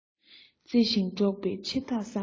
བརྩེ ཞིང འགྲོགས པའི ཕྱི ཐག བསམ སྟེ